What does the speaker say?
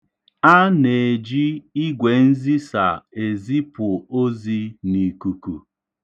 A na-eji igwenzisa ezipụ ozi n'ikuku.